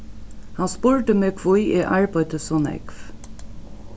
hann spurdi meg hví eg arbeiddi so nógv